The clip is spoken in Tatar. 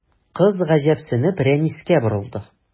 Кыз, гаҗәпсенеп, Рәнискә борылды.